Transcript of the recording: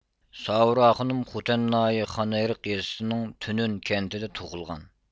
ساۋۇر ئاخۇنۇم خوتەن ناھىيە خانئېرىق يېزىسىنىڭ تۈنۈن كەنتىدە تۇغۇلغان